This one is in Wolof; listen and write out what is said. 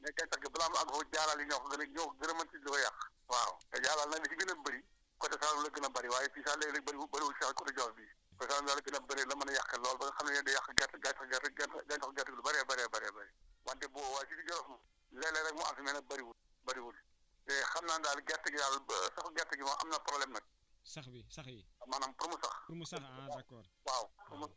wala ñu def gerte gi ay ay jal kooku moom loolu moom bul ñaqe mais gerte gi balaa muy àgg foofu jaalaale yi ñoo ko gën a ñoo ko gën a mën di ko yàq waaw te jaalaal nag li ci gën a bëri côté Kaolack la gën a bëri waaye fii sax léeg-léeg bëriwul bëriwul sax côté Djolof bii ca Saalum daal la gën a bëree la mën a yàqee lool ba nga xam ne day yàq gerte gàncax gerte gàncax gerte lu bëree bëri bëri bëri wante boo waa fii di Djolof moom léeg-léeg rek mu àgg fi mais nag bëriwut bëriwut te xam naa ne daal gerte gi daal bë saxu gerte gi moom am na problème nag